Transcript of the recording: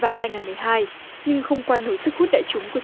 và hai nghìn mười hai nhưng không qua nổi sức hút đại chúng của